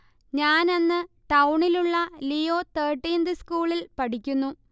ഞാൻ അന്ന് ടൗണിൽ ഉള്ള ലീയോ തേർട്ടീന്ത് സ്കൂളിൽ പഠിക്കുന്നു